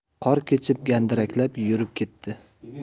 qor kechib gandiraklab yurib ketdi